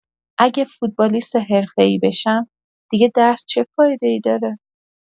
اگه فوتبالیست حرفه‌ای بشم، دیگه درس چه فایده‌ای داره؟